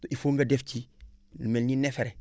te il faut nga def ci lu mel ni neefere